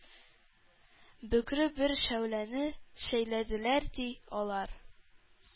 Бөкре бер шәүләне шәйләделәр, ди, алар.